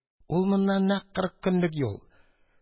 Ул моннан нәкъ кырык көнлек юл.